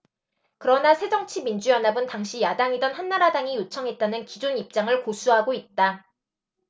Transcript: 그러나 새정치민주연합은 당시 야당이던 한나라당이 요청했다는 기존 입장을 고수하고 있다